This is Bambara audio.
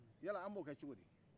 yala anb'o kɛ cogodi